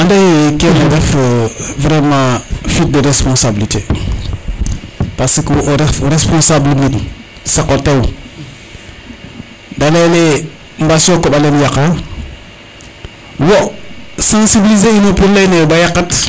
anda ye kene ref vraiment fuite de responsabliter parce que wo o ref responsable mbinuun saqo tew de leyele mbaas yoi koɓalen yaqa wo sensibliser ino pour leyne bo yaqat